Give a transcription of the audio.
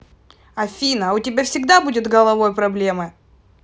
афина а у тебя всегда будет головой проблемы